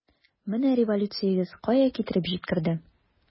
Менә революциягез кая китереп җиткерде!